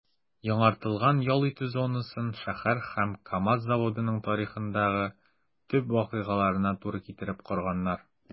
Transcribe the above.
Яңартылган ял итү зонасын шәһәр һәм КАМАЗ заводының тарихындагы төп вакыйгаларына туры китереп корганнар.